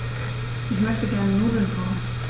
Ich möchte gerne Nudeln kochen.